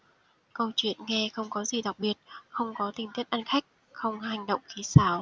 câu chuyện nghe không có gì đặc biệt không có tình tiết ăn khách không hành động kỹ xảo